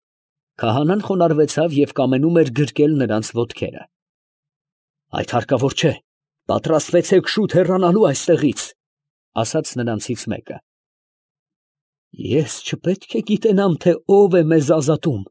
Քահանան խոնարհվեցավ և կամենում էր գրկել նրանց ոտքերը։ ֊ Այդ հարկավոր չէ, ֊ ասաց նրանցից մեկը, ֊ պատրաստվեցեք շուտ հեռանալու այստեղից։ ֊ Ես չպետք է գիտենամ ո՞վ է ազատում։